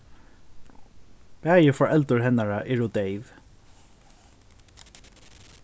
bæði foreldur hennara eru deyv